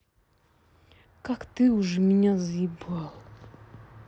как ты уже меня заебал